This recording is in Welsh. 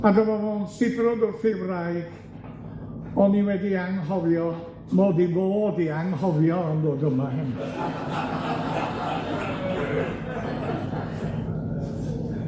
A dyma fo'n sibrwd wrth ei wraig, o'n i wedi anghofio mod i fod i anghofio am ddod yma heno.